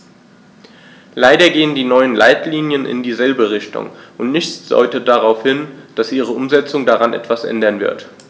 Leider gehen die neuen Leitlinien in dieselbe Richtung, und nichts deutet darauf hin, dass ihre Umsetzung daran etwas ändern wird.